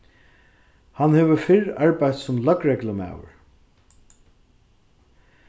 hann hevur fyrr arbeitt sum løgreglumaður